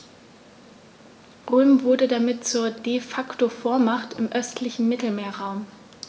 Rom wurde damit zur ‚De-Facto-Vormacht‘ im östlichen Mittelmeerraum.